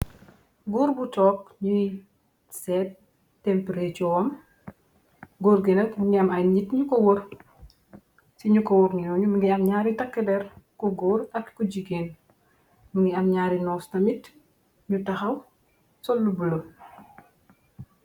góor bu tokk ñuy seet tempre am, gór ginak mngi am ay ñit ci ñu ko wor , nginoonu mingi am ñaari takkler ku góor ak ku jigéen mingi am, ñaari nosta mit ñu taxaw sollu bulo.